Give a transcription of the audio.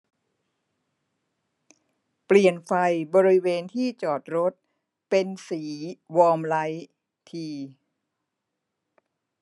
เปลี่ยนไฟบริเวณที่จอดรถเป็นสีวอร์มไลท์ที